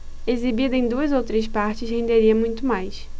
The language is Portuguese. exibida em duas ou três partes renderia muito mais